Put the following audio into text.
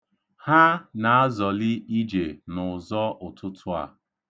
Ha na-azọli ije n'ụzọ ụtụtụ a.